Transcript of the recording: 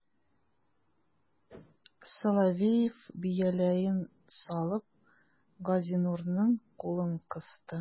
Соловеев, бияләен салып, Газинурның кулын кысты.